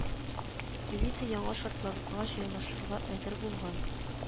Элита яңа шарталарга җайлашырга әзер булган